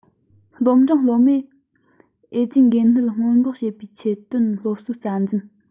སློབ འབྲིང སློབ མས ཨེ ཙི འགོས ནད སྔོན འགོག བྱེད པའི ཆེད དོན སློབ གསོའི རྩ འཛིན